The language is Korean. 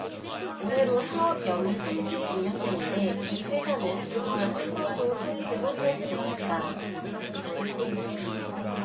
올해로 사업 영위 삼십 이 년째인데 이 회사는 그동안 한 번도 성인으로 살지 못했다